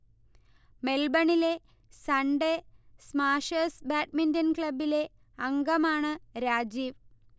മെൽബണിലെ Sunday Smashers badminton ക്ലബിലെ അംഗമാണ് രാജീവ്